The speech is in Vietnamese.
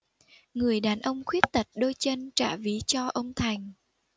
người đàn ông khuyết tật đôi chân trả ví cho ông thành